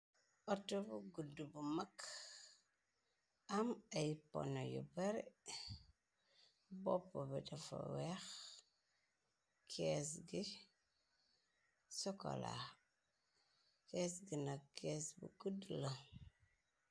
Auto bu gudd bu mag, am ay pono yu bare, bopp bi dafa weex , kees gi sokola , kees gina kees bu gudd la.